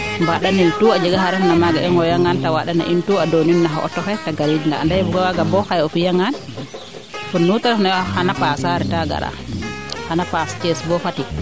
mbandenel tout a jega xaa refna maaga i ngooya ngaan te waanda na in tout a doonin naxa auto xe te gariid na ande kaaga bo xaye o fiya ngaan pod nu te ref na koy xana paasa a reta gara xana paas Thies bo Fatick